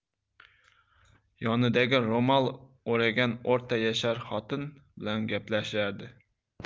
yonidagi ro'mol o'ragan o'rta yashar xotin bilan gaplashardi